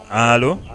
Aa